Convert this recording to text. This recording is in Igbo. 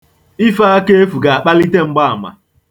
Ife aka efu ga-akpalite mgbaama.